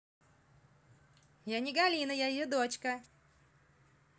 я не галина я ее дочка